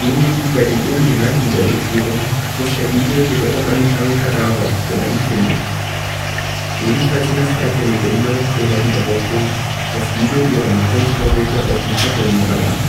Ähnlich wie bei den oben genannten Säugetieren frisst der Igel jedoch auch einen Schlangenkadaver, wenn er ihn findet. Ebenfalls in das Reich der Legende gehört die Behauptung, dass Igel ihre Nahrungsvorräte auf den Stacheln lagern